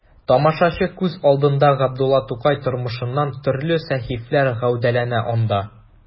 Тамашачы күз алдында Габдулла Тукай тормышыннан төрле сәхифәләр гәүдәләнә анда.